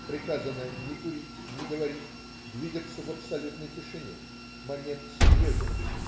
Приказано: не курить, не говорить, двигаться в абсолютной тишине. Момент серьезен.